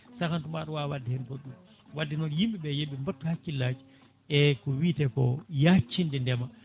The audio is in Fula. sahanyuma wawa wadde hen goɗɗum wadd noon yimɓeɓe yooɓe mbattu hakkillaji eko wiite ko yaacinde ndeema